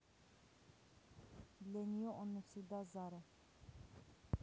для нее он навсегда зара